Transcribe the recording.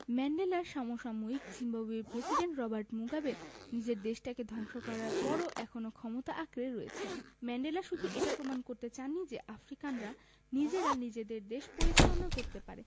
ম্যান্ডেলার সমসাময়িক জিম্বাবুয়ের প্রেসিডেন্ট রবার্ট মুগাবে নিজের দেশটাকে ধ্বংস করার পরও এখনো ক্ষমতা আঁকড়ে রয়েছেন ম্যান্ডেলা শুধু এটা প্রমাণ করতে চাননি যে আফ্রিকানরা নিজেরা নিজেদের দেশ পরিচালনা করতে পারে